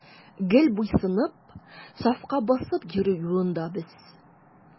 Гел буйсынып, сафка басып йөрү юлында без.